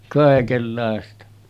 kaikenlaista